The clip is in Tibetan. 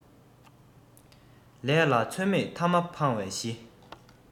ལས ལ ཚོད མེད ཐ མ ཕང བའི གཞི